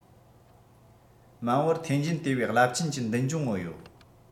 མ འོངས པར ཐེན ཅིན དེ བས རླབས ཆེན གྱི མདུན ལྗོངས མངོན ཡོད